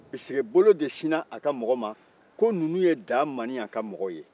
puisque bolo de sinna a ka mɔgɔw ma ko ninnu ye damiyan ka mɔgɔw ye